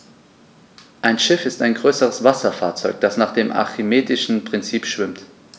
Ein Schiff ist ein größeres Wasserfahrzeug, das nach dem archimedischen Prinzip schwimmt.